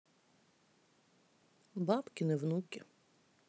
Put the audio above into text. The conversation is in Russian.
бабкины внуки